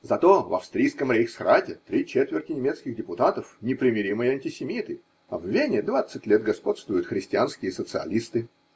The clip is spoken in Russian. Зато в австрийском рейхсрате три четверти немецких депутатов – непримиримые антисемиты, а в Вене двадцать лет господствуют христианские социалисты.